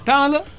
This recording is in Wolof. temps la